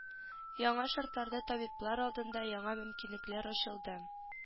Яңа шартларда табиблар алдында яңа мөмкинлекләр ачылды